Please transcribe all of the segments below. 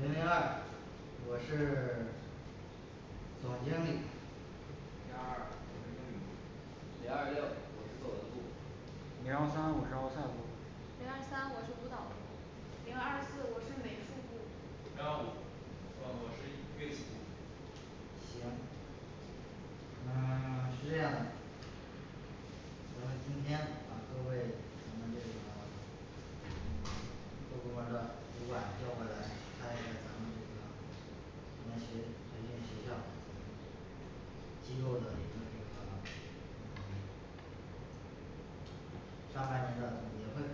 零零二我是 总经理零二二我是英语部零二六我是作文部零幺三我是奥赛部零二三我是舞蹈部零二四我是美术部零幺五哦我是乐器部行嗯 是这样的咱们今天把各位咱们这个嗯 各部门儿的主管叫过来开一个咱们这个咱们学培训学校机构的一个那个嗯 上半年的总结会，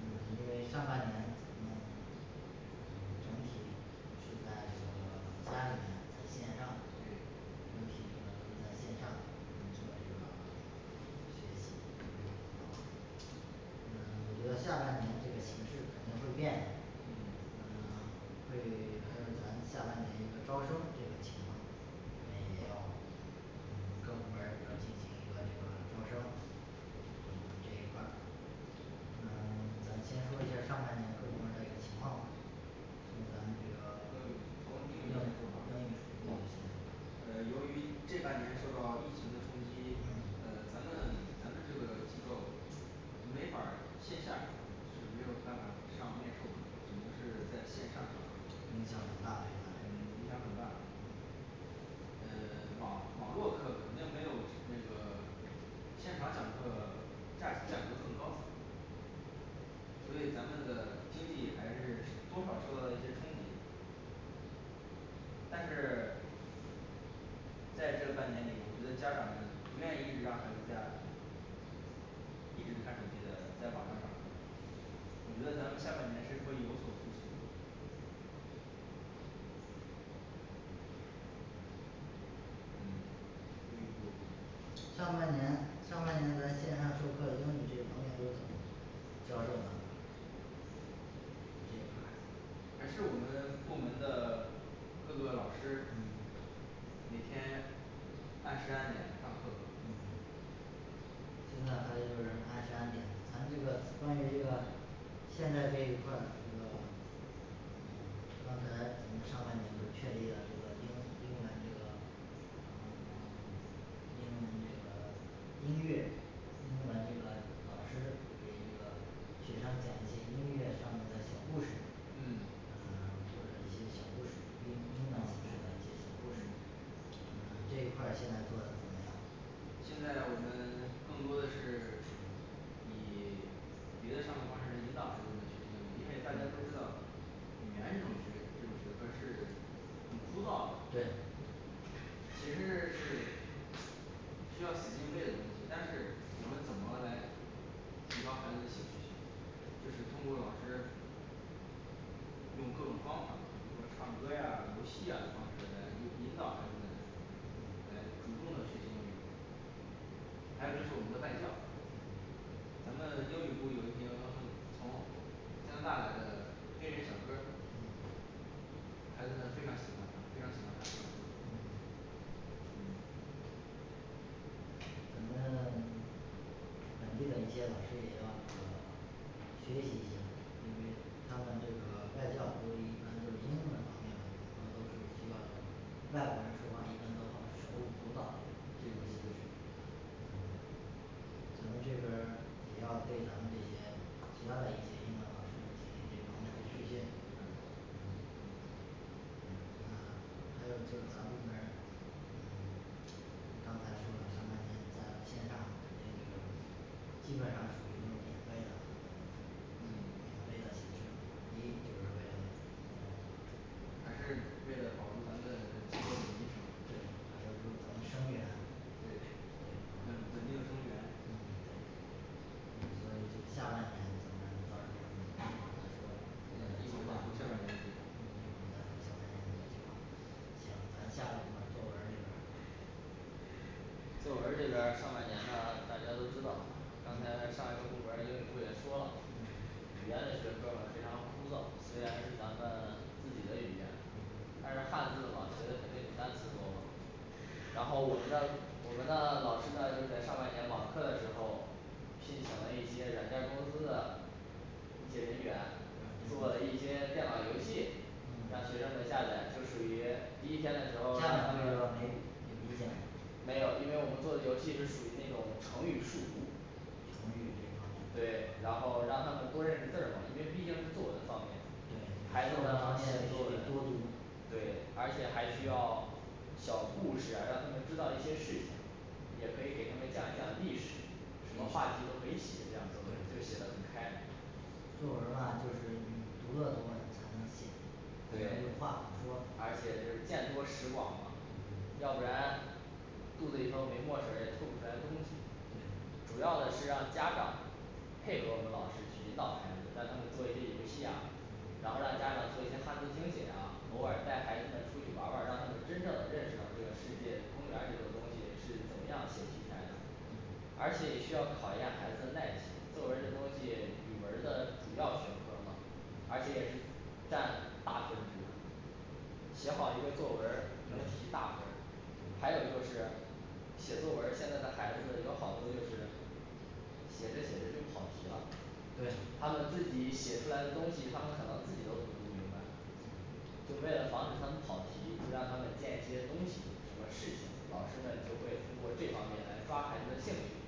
嗯因为上半年咱们整体是在这个家里面在线上对整体我们在线上我们这个嗯我觉得下半年的这个形式肯定会变的嗯呃 对于还有咱们下半年一个招生这种情况，你们也要嗯各部门儿咱进行一个这个招商，这一块儿嗯咱先说一下儿上半年各部门儿的一个情况吧从咱们这个英语部英语呃由于这半年受到疫情的冲击，呃嗯咱们咱们这个机构没法儿线下上课没有办法当面说，只能是在线上影响很大影对响咱这个很大。嗯嗯网网络课肯定没有这个现场讲课价钱价格更高所以咱们的经济还是多少受到一些冲击，但是在这半年里，我觉得家长不愿意让孩子在一直看手机的在网上上课我觉得咱们下半年是否有所不同。嗯英语部上半年上半年的线上授课英语学习方面都销售怎么样，这块儿还是我们部门的各个老师嗯，每天 按时按点上课嗯现在还是按时按点咱们这个关于这个现在这一块儿这个嗯 刚才上半年不确定的这个钉钉的那个嗯那个内容音乐那个那个老师给那个学生讲一些音乐方面的小故事嗯嗯啊就是一些小故事音乐上面的小故事嗯这一块儿现在做的怎么样现在我们更多的是以别的上课方式来引导孩子们学习英语因为大家都知嗯道语言这种学就是很枯燥的对，其实是需要时间内的东西，但是我们怎么来提高孩子的兴趣，就是通过老师用各种方法，比如说唱歌呀游戏啊的方式来引导孩子们嗯，来主动的学习英语还有是我们的外教，嗯咱们英语部有一名 从加拿大的黑人小哥儿嗯，孩子们非常喜欢。非常喜欢他嗯嗯咱们本地的一些老师也要那个学习一下。因为他们这个外教和一般的英文方面包括不需要的外国人说话一般都好手舞足蹈的这种形式嗯咱们这边儿也要对咱们这些学校的一些英语老师做一些这方面的培训&嗯&&嗯&嗯那还有各啥部门儿刚才说了上半年在线上肯定这个基本上属于都是免费的很多都是&嗯&免费的形式一就是为了还是为了保住咱们机构的名对声还有就是咱们生源对。稳定的生源嗯所以下半年我们招生基本上是行咱下个部门儿作文儿这边儿作文儿这边，上半年呢大家都知道，刚才上一个部门儿英语部也说了，语言的学科儿非常枯燥，虽然是咱们自己的语言，但是汉字嘛学的肯定比单词多嘛然后我们的我们的老师呢就是在上半年网课的时候，聘请了一些软件儿公司的一些人员，做了一些电脑游戏，让学生们嗯下载就属于第一家天的时候。让他长们们没有意见吗？没有，因为我们做的游戏是属于那种成语数独成语这方面的对，然后让他们多认识字儿吗，因为毕竟是作文的方面对对方面必，孩子们写须作文得多读，对，而且还需要小故事啊让他们知道一些事情，也可以给他们讲一讲历史什么话题都可以写，这样作文就写得很开作文儿嘛就是你读了多你才能写。才能有对话可而说且就是见多识广嘛，嗯要不然肚子里头没墨水儿也吐不出来东西，主要的是让家长配合我们老师去引导孩子，让他们做一些游戏呀然后让家长做一些汉字听写啊，偶尔带孩子们出去玩儿玩儿，让他们真正的认识到这个世界公园儿里的东西是怎么样写题材呢而且也需要考验孩子的耐心，作文儿这东西，语文儿的主要学科儿嘛，而且也是占大分值的写好一个作文儿能提大分儿，还有就是写作文儿，现在的孩子有好多就是写着写着就跑题了。对他们自己写出来的东西他们可能自己都读不明白。 就为了防止他们跑题，就让他们建一些东西，什么事情，老师们就会通过这方面来抓孩子的兴趣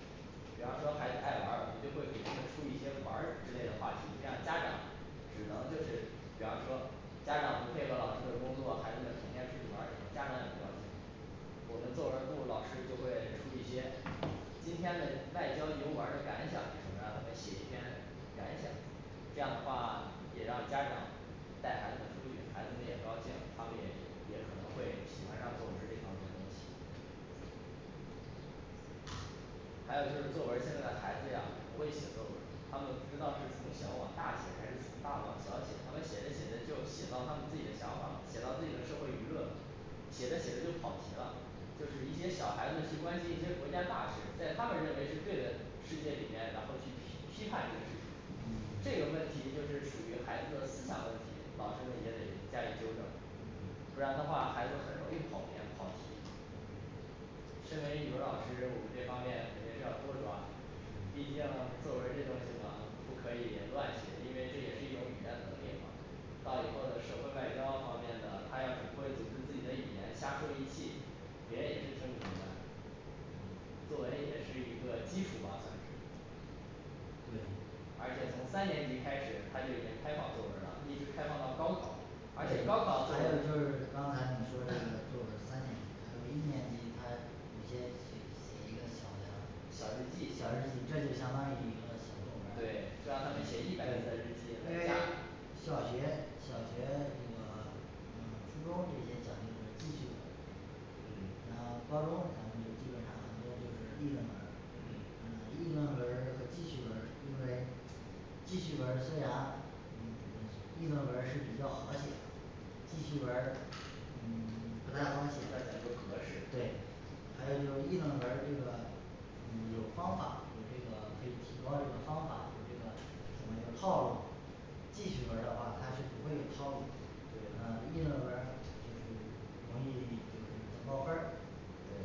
比方说孩子爱玩儿，我们就会给他们出一些玩儿之类的话题，这样家长只能就是比方说家长不配合老师的工作，孩子们成天出去玩儿什么的，家长也不高兴。我们作文儿部老师就会出一些今天的外交游玩儿的感想是什么？让他们写一篇感想，这样的话也让家长带孩子们出去，孩子们也高兴，他们也也可能会喜欢上作文儿这方面的东西。还有就是作文儿现在的孩子呀不会写作文儿，他们不知道是从小往大写还是从大往小写，他们写着写着就写到他们自己的想法了，写到自己的社会舆论了写着写着就跑题了，就是一些小孩子去关心一些国家大事，在他们认为是对的，世界里面然后去批批判这个事情。这嗯个问题就是属于孩子的思想问题，老师们也得加以纠正不然的话孩子很容易跑偏跑题。身为语文儿老师，我们这方面肯定是要多抓，毕竟作文儿这东西嘛不可以乱写，因为这也是一种语言能力嘛。到以后的社会外交方面的，他要是不会组织自己的语言瞎说一气，别人也是听不明白作文也是一个基础吧算是。对而且从三年级开始他就已经开放作文儿了，一直开放到高考，还而且有刚高考作文才你说的作文 三年级，还有一年级，他有一些写一个小的小日记小日记，，这就相当于一个小作文儿对，就让他们写一百个字儿的日记因来为加小学小学这个 呃初中这些讲究的记叙文儿这嗯然后高中基本上很多就是议论文儿嗯，议论文和记叙文，因为记叙文虽然议论文是比较和谐的记叙文嗯 不需太要讲方便，究格式，对。还有就议论文儿这个嗯有方法，有这个可以提高这个方法有这个怎么有套路记叙文儿的话它是不会有套路的嗯对议论文儿就是容易得高分儿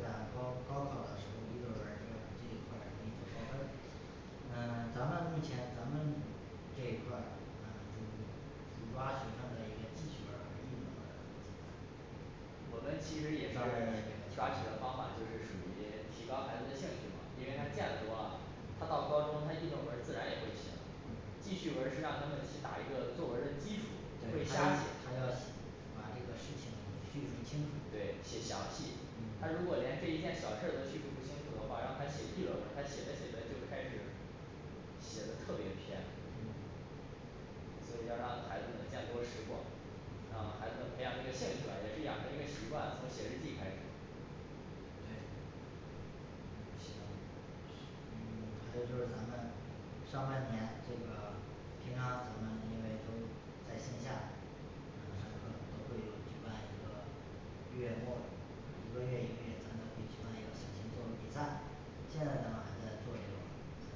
在高高考的时候议论文儿容易得高分嗯咱们目前咱们这一块儿嗯可能是主抓学生的一个记叙文儿和议论文儿我们大其实也是部分 这抓取个的方法就是属于提高孩子的兴趣吧，因为他见的多了嗯，他到高中他议论文儿自然也会写了，记叙文儿是让他们去打一个作文儿的基础，不会瞎写把这个事情记录清楚对写详细，他如果嗯连这一件小事儿都叙述不清楚的话，让他写议论文儿，他写着写着就开始写的特别偏嗯所以要让孩子们见多识广，让孩子嗯们培养这个兴趣吧也是养成一个习惯，从写日记开始对行。还有就是咱们上半年这个平常咱们因为都在线下开会都会举办一个月末一个月一个月咱们那会举办一个讨论作文比赛，现在咱们还在做这个吗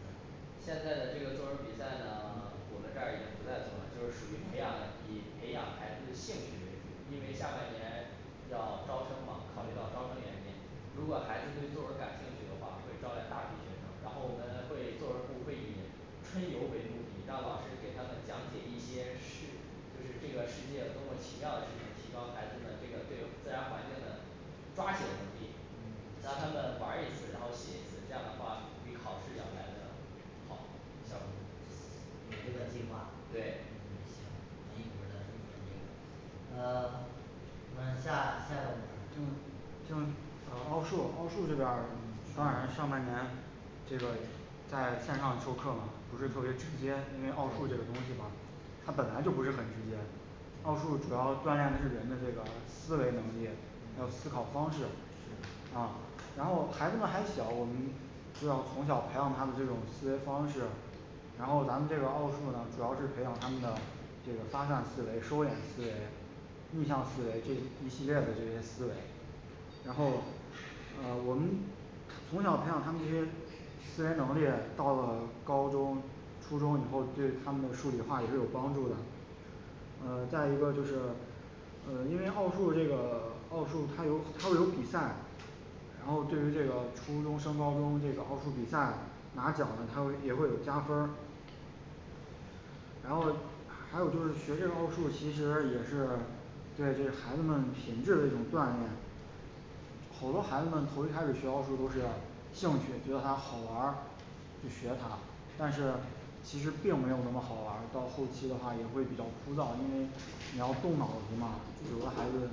现在的这个作文儿比赛呢我嗯们这儿已经不再做了，就是属于培嗯养以培养孩子兴趣为主，因为下半年要招生嘛考虑到招生原因，如果孩子对作文儿感兴趣的话，会招来大批学生，然后我们会作文部会以春游为目的，让老师给他们讲解一些事，就是这个世界多么奇妙的事情，提高孩子们这个对自然环境的抓写能力让他们玩儿一次，然后写一次，这样的话比考试要来的好效果每周的计划，嗯行对呃 呃下下一个部门儿就就奥数奥数这边儿当然是上半年这个在线上授课嘛不是特别直嗯接，因为奥数这个东西吧他本来就不是很直接，奥数主要锻炼的是人的这个思维能力，还有思考方式。啊然后孩子们还小，我们知道从小培养他的这种思维方式，然后咱们这个奥数呢主要是培养他们的这个发散思维收敛思维，逆向思维这一系列的这些思维然后呃我们从小培养他们这些思维能力，到了高中初中以后对他们的数理化也是有帮助的。呃再一个就是呃因为奥数这个奥数它有它有比赛然后对于这个初中升高中这个奥数比赛拿奖的他也会有加分儿然后还有就是学这个奥数其实也是对这孩子们品质的这种锻炼嗯好多孩子们从一开始学奥数都是兴趣，觉得它好玩儿，去学它，但是其实并没有那么好玩，到后期的话也会比较枯燥，因为也要动脑子嘛有的孩子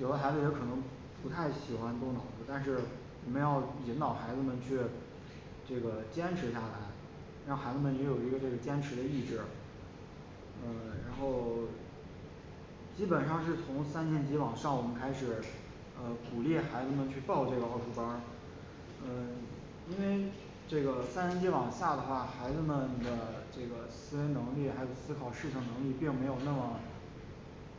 有的孩子也可能不太喜欢动脑子，但是我们要引导孩子们去这个坚持下来，让孩子们也有一个这个坚持的意志。嗯然后基本上是从三年级往上，我们开始呃鼓励孩子们去报这个奥数班儿，呃因为这个三年级往下的话，孩子们的这个思维能力还有思考事情能力并没有那么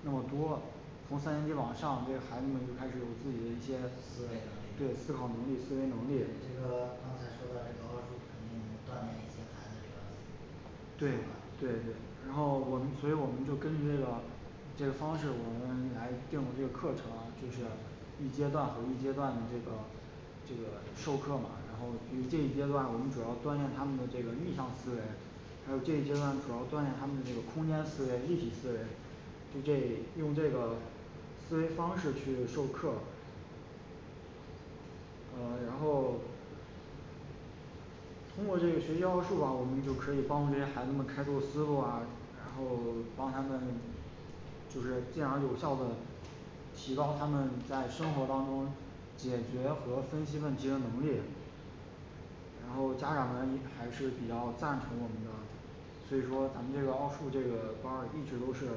那么多，从三年级往上这个孩子们就开始有自己的一些思维能对力思考能力思对维能力，这个刚才说到这个奥数能锻炼一些孩子这个对，对对然后我们所以我们就根据这个这个方式我们来定的这个课程，就是一阶段和一阶段的这个这个授课嘛，然后就这一阶段我们主要锻炼他们的这个逆向思维还有这一阶段主要锻炼他们这个空间思维，立体思维。 就这用这个思维方式去授课呃然后通过这个学习奥数吧，我们就可以帮助这些孩子们开拓思路啊，然后帮他们就是进而有效的提高他们在生活当中解决和分析问题的能力。然后家长们还是比较赞成我们的所以说咱们这个奥数这个班儿一直都是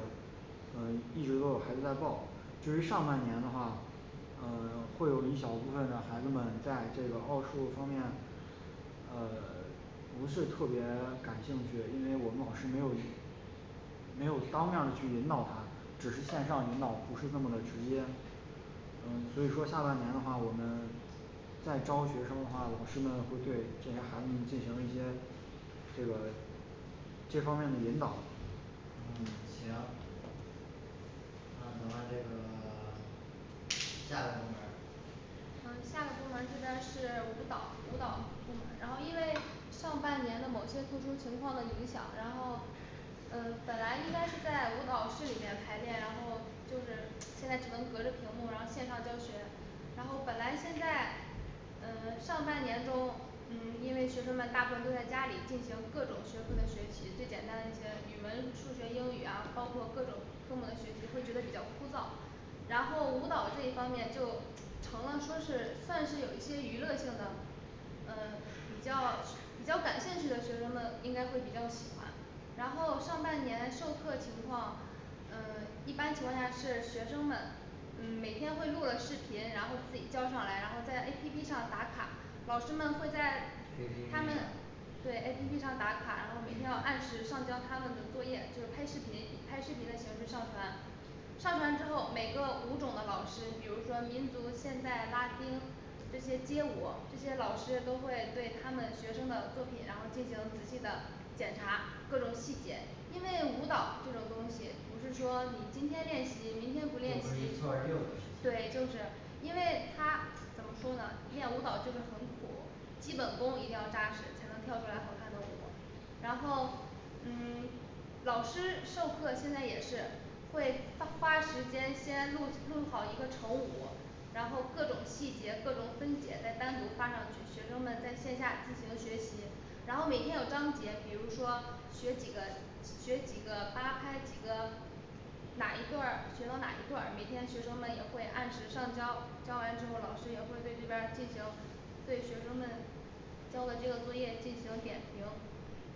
嗯一直都有孩子在报，至于上半年的话，嗯会有一小部分的孩子们在这个奥数方面呃 不是特别感兴趣，因为我们老师没有没有当面儿去引导他，只是线上引导不是那么的直接嗯所以说下半年的话，我们在招学生的话，老师们会对这些孩子们进行一些这个这方面的引导。嗯行那咱们这个 下一个部门儿。呃下个部门儿这边儿是舞蹈舞蹈部门儿，然后因为上半年的某些特殊情况的影响，然后嗯本来应该是在舞蹈室里面排练，然后就是现在只能隔着屏幕然后线上教学。然后本来现在呃上半年中，嗯因为学生们大部分都在家里进行各种学科的学习，最简单的一些语文、数学、英语啊，包括各种科目的学习会觉得比较枯燥然后舞蹈这一方面就成了说是算是有一些娱乐性的，呃比较比较感兴趣的学生们应该会比较喜欢，然后上半年授课情况嗯一般情况下是学生们嗯每天会录了视频，然后自己交上来，然后在A P P上打卡，老师们会在 A P 他们 P 上对A P P上打卡，然后每天要按时上交他们的作业，就是拍视频拍视频的形式上传上传之后每个舞种的老师，比如说民族现代拉丁这些街舞，这些老师都会对他们学生的作品，然后进行仔细的检查各种细节，因为舞蹈这种东西不是说你今天练习明天不又不是练习一，蹴而就的对，事就情是因为他怎么说呢，练舞蹈就是很苦，基本功一定要扎实，才能跳出来好看的舞然后嗯老师授课现在也是会花花时间先录录好一个成舞，然后各种细节各种分解再单独发上去，学生们在线下进行学习。然后每天有章节，比如说学几个学几个八拍几个哪一段儿学到哪一段儿，每天学生们也会按时上交，交完之后老师也会对这边儿进行对学生们交了这个作业进行点评。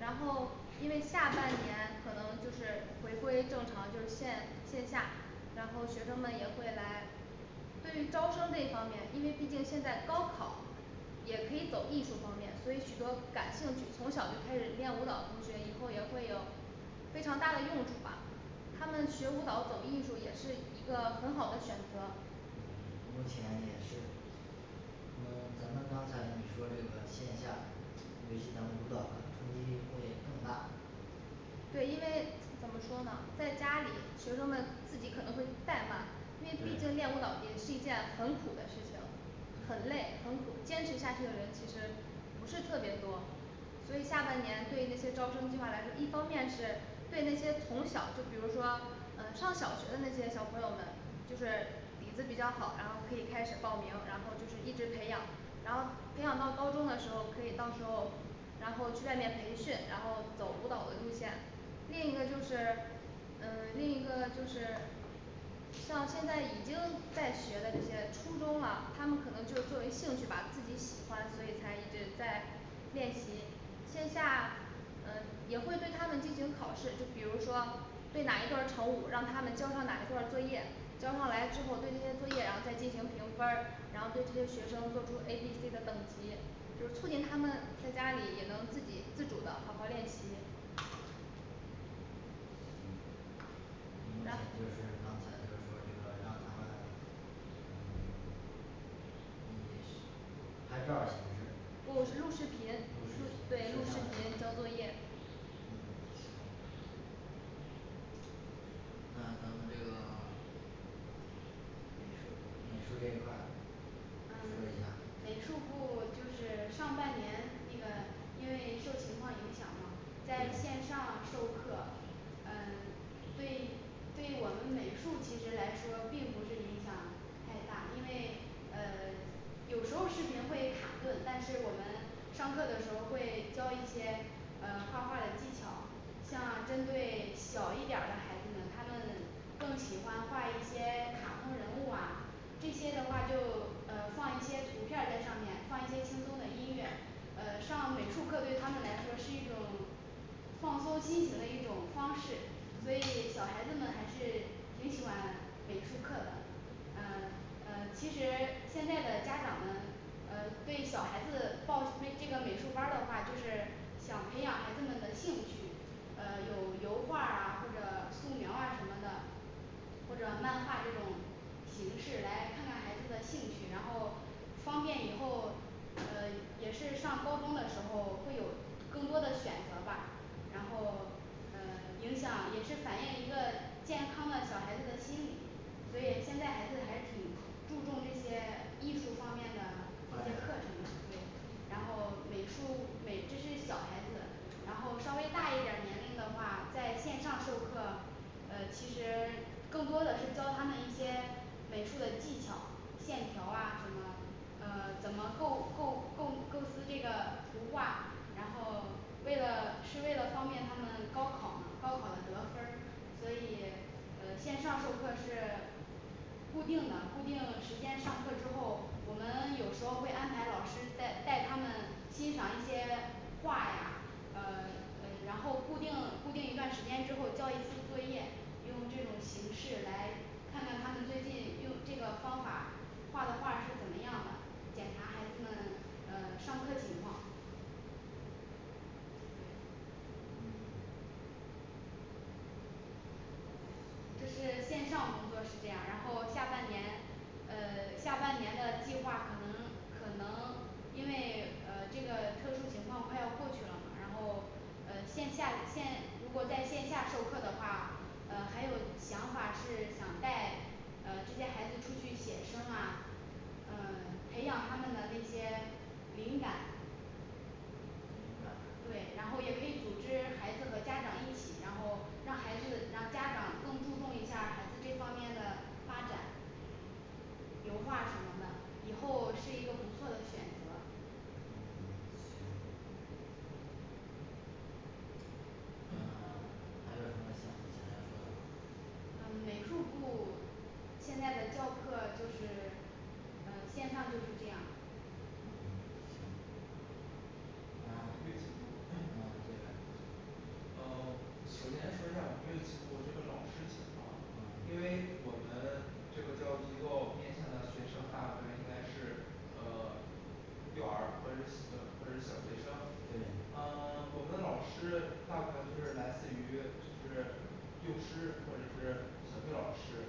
然后因为下半年可能就是回归正常，就是线线下，然后学生们也会来对于招生这一方面，因为毕竟现在高考也可以走艺术方面，所以许多感兴趣，从小就开始练舞蹈同学以后也会有非常大的用处嘛他们学舞蹈走艺术也是一个很好的选择嗯目前也是嗯咱们刚才你说这个线下，尤其咱们舞蹈的冲击会更大对，因为怎么说呢，在家里学生们自己可能会怠慢，因为毕竟练舞对蹈也是一件很苦的事情很累很苦，坚持下去的人其实不是特别多。所以下半年对那些招生计划来说，一方面是对那些从小就比如说嗯上小学的那些小朋友们就是底子比较好，然后可以开始报名，然后就是一直培养然后培养到高中的时候，可以到时候然后去外面培训，然后走舞蹈的路线。另一个就是呃另一个就是像现在已经在学的这些初中了，他们可能就作为兴趣吧自己喜欢，所以才一直在练习线下嗯也会对他们进行考试，就比如说对哪一段儿成舞让他们交上哪一段儿作业，交上来之后对那些作业然后再进行评分儿，然后对这些学生做出A B C的等级，就是促进他们在家里也能自己自主的好好练习那目前就然是刚才就是说这个让他们嗯 嗯拍照儿还是不录录视视频频，对录视频交作业。嗯行那咱们这个美术 美术这一块儿呃 说一下美术部就是上半年那个因为受情况影响吗，在线上授课，呃对对我们美术其实来说并不是影响太大，因为呃有时候视频会卡顿，但是我们上课的时候会教一些呃画画的技巧像针对小一点儿的孩子们，他们更喜欢画一些卡通人物啊，这些的话就呃放一些图片儿在上面放一些轻松的音乐。呃上美术课对他们来说是一种放松心情的一种方式，所以小孩子们还是挺喜欢美术课的。 呃呃其实现在的家长们呃对小孩子报这个美术班儿的话，就是想培养孩子们的兴趣，呃有油画啊或者素描啊什么的，或者漫画这种形式来看看孩子的兴趣，然后方便以后呃也是上高中的时候会有更多的选择吧然后呃影响也是反映一个健康的小孩子的心理，所以现嗯在孩子还是挺注重这些艺术方面的这些课程的对然后美术美这是小孩子，然后稍微大一点儿年龄的话在线上授课，呃其实更多的是教他们一些美术的技巧线条啊什么，呃怎么构构构构思这个图画，然后为了是为了方便他们高考的高考的得分儿，所以呃线上授课是固定的固定时间上课之后，我们有时候会安排老师带带他们欣赏一些画呀，呃呃然后固定一段时间之后交一次作业，用这种形式来看看他们最近用这个方法画的画是怎么样的，检查孩子们嗯上课情况。嗯这是线上工作是这样，然后下半年呃下半年的计划可能可能因为这个特殊情况快要过去了，然后呃线下线如果在线下授课的话，嗯还有想法是想带这些孩子出去写生啊嗯培养他们的那些灵感灵感对然后也可以组织孩子和家长一起，然后让孩子让家长更注重一下孩子这方面的发展油画什么的以后是一个不错的选择嗯行嗯还有什么想想要说的吗？嗯美术部现在的教课就是呃线上就是这样。嗯行呃首先说一下儿我们音乐部这个老师的情况，嗯因为我们这个教育机构面向的学生大部分应该是呃幼儿或者或者是小学生，嗯对 我们的老师大部分都是来自于就是幼师或者是小学老师